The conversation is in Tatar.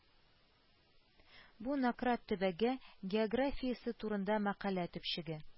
Бу Нократ төбәге географиясе турында мәкалә төпчеге